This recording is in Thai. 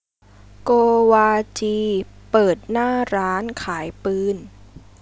โกวาจีเปิดหน้าร้านขายปืน